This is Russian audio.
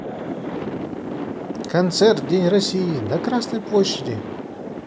концерт день россии на красной площади